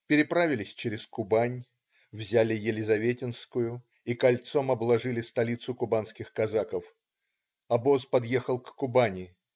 Переправились через Кубань, взяли Елизаветинскую и кольцом обложили столицу кубанских казаков. Обоз подъехал к Кубани.